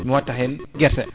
mi watta hen guerte